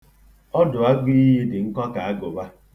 Ọdụ agụiyi dị nkọ ka agụba.